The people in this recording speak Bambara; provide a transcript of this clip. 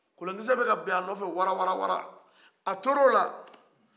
kolonkisɛ bɛ ka bin a nɔfɛ warawarawara a tora o la